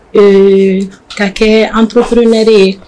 Ɛɛ ka kɛ anururunɛre ye